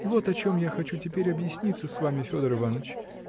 вот о чем я хочу теперь объясниться с вами, Федор Иваныч.